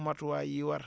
matuwaay yi war